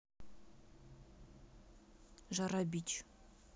жара бич